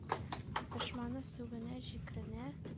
Дошманы сүгенә-җикренә